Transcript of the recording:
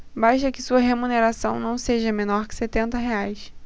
basta que sua remuneração não seja menor que setenta reais